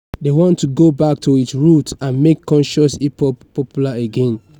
They want to go back to its roots and make conscious hip hop popular again.